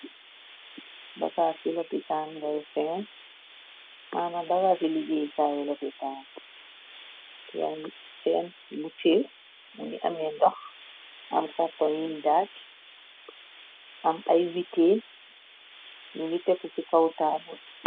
Bagaa ci lopitan ngay sin. mana bagaa ci ligéyi kaare lopitaan piani senn. buccir ngi ameen dox am kàrtoyin daj am ay witin yu ngi tekku ci kawtaabe.